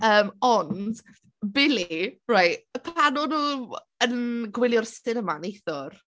Yym ond Billy reit pan o'n nhw yn gwylio'r cinema neithiwr...